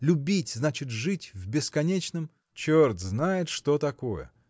любить – значит жить в бесконечном. – Черт знает, что такое!